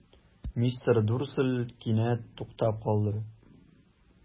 Мистер Дурсль кинәт туктап калды.